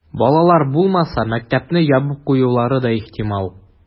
Балалар булмаса, мәктәпне ябып куюлары да ихтимал.